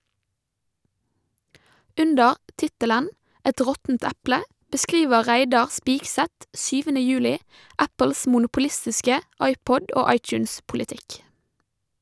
Under tittelen «Et råttent eple» beskriver Reidar Spigseth 7. juli Apples monopolistiske iPod- og iTunes-politikk.